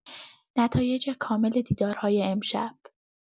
نتایج کامل دیدارهای امشب